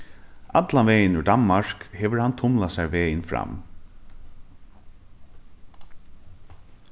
allan vegin úr danmark hevur hann tumlað sær vegin fram